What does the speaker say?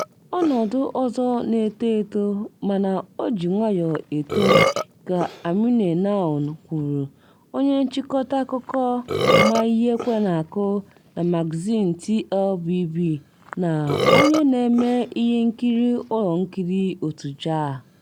"Ọnọdụ ọzọ na-eto eto, mana o ji nwayọ eto," ka Amine Nawny kwuru, onye nchịkọta akụkọ ma ihe ekwe na-akụ na magazin TLBB na onye na-eme ihe nkiri ụlọ nkiri otu JAA.